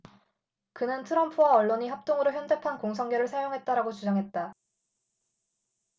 그는 트럼프와 언론이 합동으로 현대판 공성계를 사용했다라고 주장했다